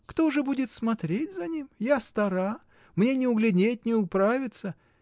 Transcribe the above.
— Кто же будет смотреть за ним: я стара, мне не углядеть, не управиться.